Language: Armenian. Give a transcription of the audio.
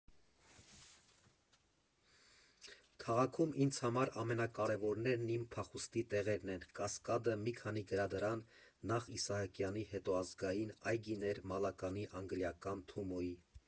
Քաղաքում ինձ համար ամենակարևորներն իմ փախուստի տեղերն են՝ Կասկադը, մի քանի գրադարան, նախ՝ Իսահակյանի, հետո՝ Ազգային, այգիներ՝ մալականի, անգլիական, Թումոյի։